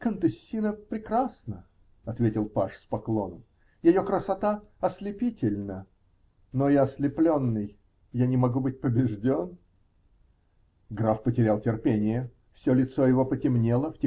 -- Контессина прекрасна, -- ответил паж с поклоном, -- ее красота ослепительна, но и ослепленный, я не могу быть побежден. Граф потерял терпение. Все лицо его потемнело